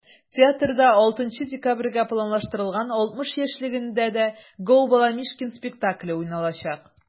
Театрда 6 декабрьгә планлаштырылган 60 яшьлегендә дә “Gо!Баламишкин" спектакле уйналачак.